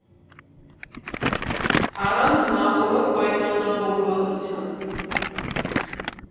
Առանց նախօրոք պայմանավորվածության։